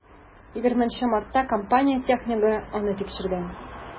20 мартта компания технигы аны тикшергән.